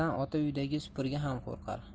uyidagi supurgi ham qo'rqar